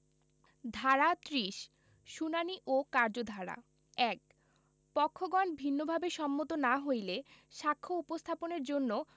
ধারা ৩০ শুনানী ও কার্যধারা ১ পক্ষগণ ভিন্নভাবে সম্মত না হইলে সাক্ষ্য উপস্থাপনের জন্য